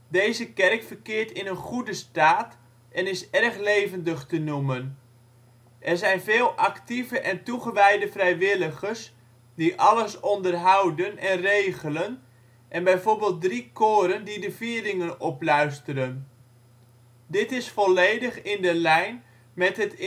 Deze kerk verkeert in een goede staat en is erg levendig te noemen. Er zijn veel actieve en toegewijde vrijwilligers die alles onderhouden en regelen en bijvoorbeeld drie koren die de vieringen opluisteren. Dit is volledig in de lijn met het